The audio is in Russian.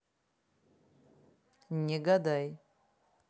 не гадай